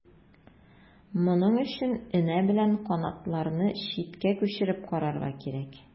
Моның өчен энә белән канатларны читкә күчереп карарга кирәк.